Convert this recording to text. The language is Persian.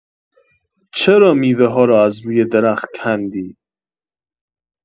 چرا میوه‌ها را از روی درخت کندی